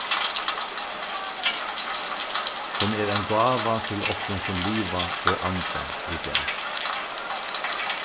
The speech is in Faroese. hon er ein gáva til okkum sum liva og anda í dag